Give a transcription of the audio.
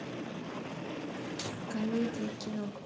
комедии кино